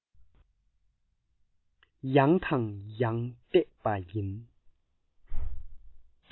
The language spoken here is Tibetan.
ཡང དང ཡང བལྟས པ ཡིན